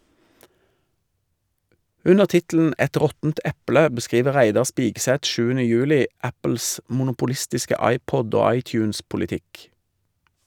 Under tittelen "Et råttent eple" beskriver Reidar Spigseth 7. juli Apples monopolistiske iPod- og iTunes-politikk.